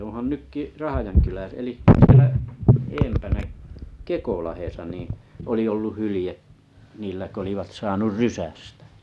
onhan nytkin - eli siellä edempänä Kekolahdessa niin oli ollut hylje niillä kun olivat saanut rysästä